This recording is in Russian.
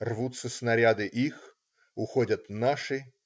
Рвутся снаряды их, уходят наши.